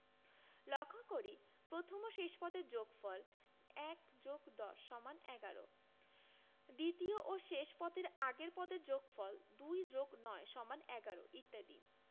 লক্ষ করি প্রথম ও শেষ পদের যোগফল ১+১০=১১ দ্বিতীয় ও শেষ পদের আগের পদের যোগফল ২+৯=১১ ইত্যাদি